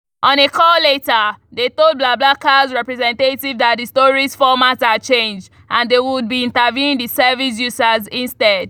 On a call later, they told BlaBlaCar’s representative that the story's format had changed and they would be interviewing the service’s users instead.